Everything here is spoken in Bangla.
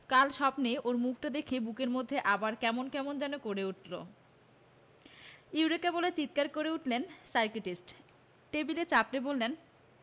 কাল স্বপ্নে ওর মুখটা দেখে বুকের মধ্যে আবার কেমন কেমন যেন করে উঠল ‘ইউরেকা বলে চিৎকার করে উঠলেন সাইকিয়াট্রিস্ট টেবিলে চাপড়ে বললেন